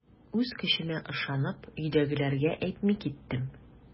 Үз көчемә ышанып, өйдәгеләргә әйтми киттем.